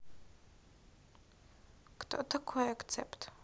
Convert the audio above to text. кто такой акцепт